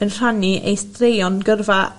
yn rhannu ei streion gyrfa